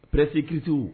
Prece écrit tigiw